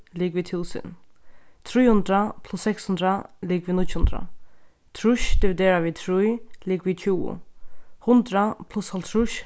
ligvið túsund trý hundrað pluss seks hundrað er ligvið níggju hundrað trýss dividera við trý ligvið tjúgu hundrað pluss hálvtrýss